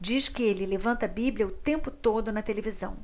diz que ele levanta a bíblia o tempo todo na televisão